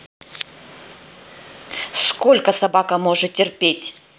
сколько собака может терпеть